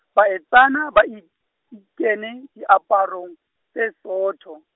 baetsana ba i-, ikinne diaparong tse sootho.